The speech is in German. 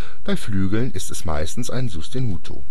bei Flügeln ist es meistens ein Sostenuto